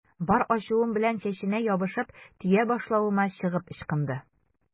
Бар ачуым белән чәченә ябышып, төя башлавыма чыгып ычкынды.